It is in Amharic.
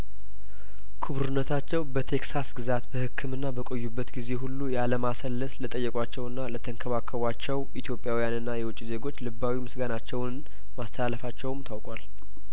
ክቡርነታቸው በቴክሳስ ግዛት በህክምና በቆዩበት ጊዜ ሁሉ ያለማሰለስ ለጠየቋቸውና ለተንከባከቧቸው ኢትዮጵያውያንና የውጭ ዜጐች ልባዊምስጋናቸውን ማስተላለፋቸውም ታውቋል